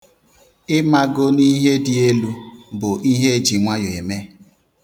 Imago n'ihe dị elu bụ ihe eji nwayọ eme.